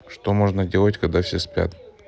что можно делать когда все спят